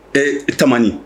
Ee tamani